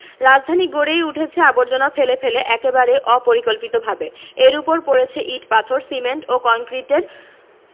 রাজধানী গড়েই উঠেছে আবর্জনা ফেলে ফেলে একেবারেই অপরিকল্পিতভাবে এর ওপর পড়েছে ইট পাথর সিমেন্ট ও কংক্রিটের